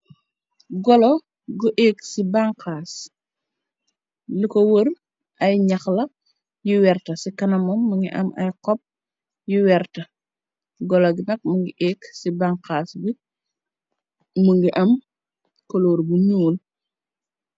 Golo gu éeg ci banxaas, li kor wër ay ñaxla yu werta ci kanamo mu ngi am ay xop yu werta. Golo gi nag mungi éeg ci banxaas bi mu ngi am coloor bu nuul.